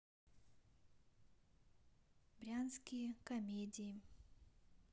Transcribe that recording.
брянские комедии